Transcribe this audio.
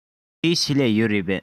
བོད ཡིག ཆེད ལས ཡོད རེད པས